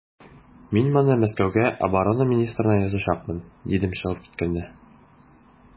Мин моны Мәскәүгә оборона министрына язачакмын, дидем чыгып киткәндә.